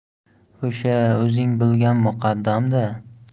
o'sha o'zing bilgan muqaddamda